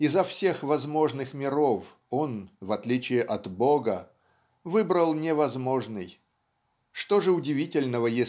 изо всех возможных миров он, в отличие от Бога, выбрал невозможный, что же удивительного